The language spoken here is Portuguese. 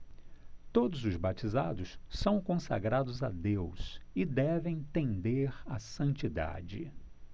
todos os batizados são consagrados a deus e devem tender à santidade